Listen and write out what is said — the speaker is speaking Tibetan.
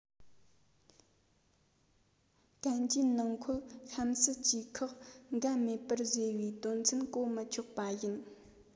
གན རྒྱའི ནང འཁོད གཤམ གསལ གྱི ཁག འགན མེད པར བཟོས པའི དོན ཚན གོ མི ཆོད པ ཡིན